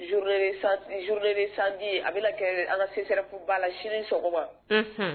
Uruurre sandi a bɛ kɛɛrɛ an ka sesɛ ba la sini sɔgɔma